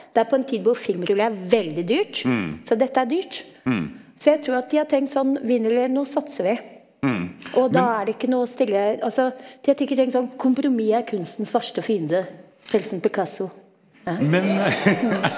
det på en tid hvor filmrull er veldig dyrt, så dette er dyrt så jeg tror at de har tenkt sånn vinn eller nå satser vi, og da er det ikke noe stille altså de har sikkert tenkt sånn, kompromiss er kunstens verste fiende hilsen Picasso ja.